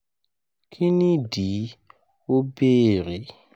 Kí nìdí? o beere.